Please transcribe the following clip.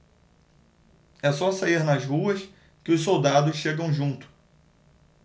é só sair nas ruas que os soldados chegam junto